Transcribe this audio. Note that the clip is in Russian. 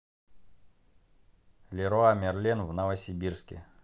леруа мерлен в новосибирске